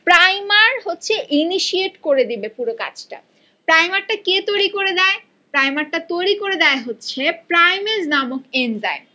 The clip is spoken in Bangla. প্রাইমার হচ্ছে ইনিশিয়েট করে দিবে পুরো কাজটা প্রাইমার টা কে তৈরি করে দেয় প্রাইমার টা তৈরি করে দেয় হচ্ছে প্রাইমেস নামক এনজাইম